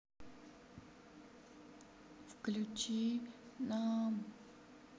включи нам